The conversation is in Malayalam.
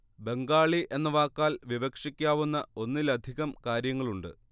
ബംഗാളി എന്ന വാക്കാൽ വിവക്ഷിക്കാവുന്ന ഒന്നിലധികം കാര്യങ്ങളുണ്ട്